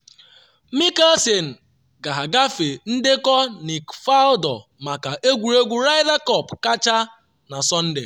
Mickelson ga-agafe ndekọ Nick Faldo maka egwuregwu Ryder Cup kacha na Sọnde.